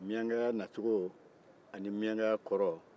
miyankaya nacogo ani miyankaya kɔrɔ